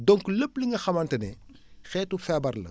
donc lépp li nga xamante ne xeetu feebar la